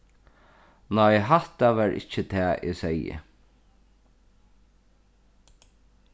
nei hatta var ikki tað eg segði